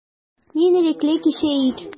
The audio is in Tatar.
Мин ирекле кеше ич.